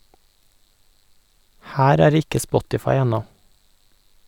Her er ikke Spotify ennå.